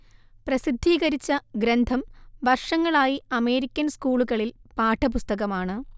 പ്രസിദ്ധീകരിച്ച ഗ്രന്ഥം വർഷങ്ങളായി അമേരിക്കൻ സ്കൂളുകളിൽ പാഠപുസ്തകമാണ്